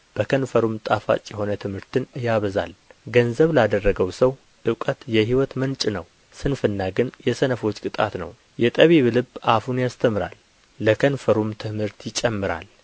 በከንፈሩም ጣፋጭ የሆነ ትምህርትን ያበዛል ገንዘብ ላደረገው ሰው እውቀት የሕይወት ምንጭ ነው ስንፍና ግን የሰነፎች ቅጣት ነው የጠቢብ ልብ አፉን ያስተምራል ለከንፈሩም ትምህርትን ይጨምራል